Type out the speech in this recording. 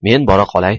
men bora qolay